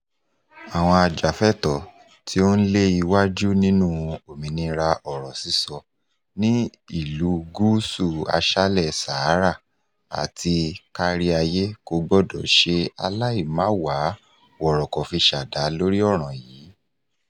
Àwọn ajàfúnẹ̀tọ́ tí ó ń lé iwájú nínú òmìnira ọ̀rọ̀ sísọ ní ìlú-Gúúsù-Aṣálẹ̀-Sàhárà àti káríayé kò gbọdọ̀ ṣe aláì máà wá wọ̀rọ̀kọ̀ fi ṣ'àdá lórí ọ̀ràn yìí.